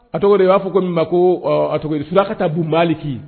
A tɔgɔ di u b'a fɔ min ma ko ma ko a a tɔg di Surakata bun Maaliki